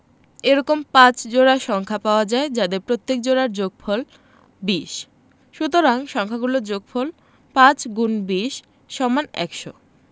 এরকম ৫ জোড়া সংখ্যা পাওয়া যায় যাদের প্রত্যেক জোড়ার যোগফল ২০ সুতরাং সংখ্যা গুলোর যোগফল ৫*২০=১০০